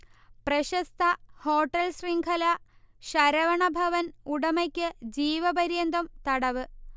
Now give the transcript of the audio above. പ്രശസ്ത ഹോട്ടൽ ശൃംഖല ശരവണഭവൻ ഉടമയ്ക്ക് ജീവപര്യന്തം തടവ്